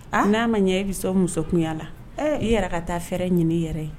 A n'a ma ɲɛ e be se o musokunya laee i yɛrɛ ka taa fɛrɛ ɲin'i yɛrɛ ye